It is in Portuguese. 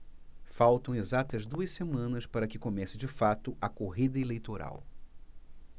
faltam exatas duas semanas para que comece de fato a corrida eleitoral